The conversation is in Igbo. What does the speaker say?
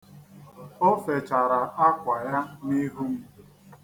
O fechara akwa ya n'ihu m.